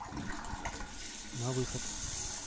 на выход